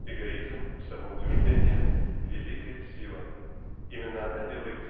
Эгоизм, самоутверждение--великая сила именно она делает